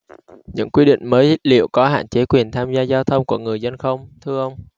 những quy định mới liệu có hạn chế quyền tham gia giao thông của người dân không thưa ông